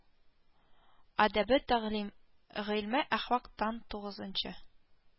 Адабе тәгълим: Гыйльме әхлак тан тугызынчы